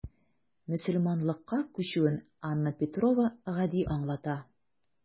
Мөселманлыкка күчүен Анна Петрова гади аңлата.